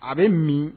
A be min